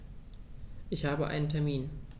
Ich habe einen Termin.